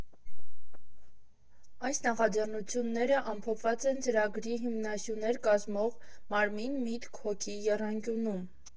Այս նախաձեռնություններն ամփոփված են ծրագրի հիմնասյուներ կազմող ՄԱՐՄԻՆ֊ՄԻՏՔ֊ՀՈԳԻ եռանկյունում։